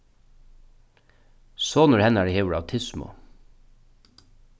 sonur hennara hevur autismu